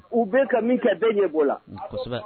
U bɛɛ ka min kɛ bɛɛ ye o la